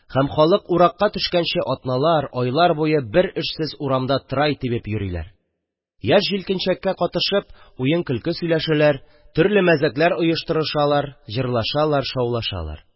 Һәм халык уракка төшкәнче атналар, айлар буе бер эшсез урамда тырай тибеп йөриләр, яшь-җилкенчәккә катышып, уен-көлке сөйләшәләр, төрле мәзәкләр оештырышалар, җырлашалар, шаулашалар.